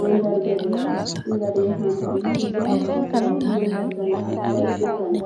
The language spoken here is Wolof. madarga be fega de ham be ban fosunge madarga la ak ban deka la.